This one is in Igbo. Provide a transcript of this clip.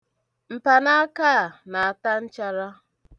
Mpanaaka a na-ata nchara.